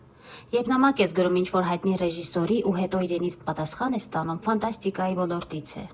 Երբ նամակ ես գրում ինչ֊որ հայտնի ռեժիսորի ու հետո իրենից պատասխան ես ստանում, ֆանտաստիկայի ոլորտից է։